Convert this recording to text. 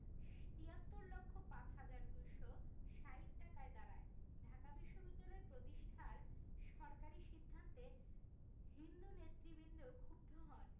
৭৩ লক্ষ ৫ হাজার ২৬০ টাকায় দাঁড়ায় ঢাকা বিশ্ববিদ্যালয় প্রতিষ্ঠার সরকারি সিদ্ধান্তে হিন্দু নেতৃবৃন্দ ক্ষুব্ধ হন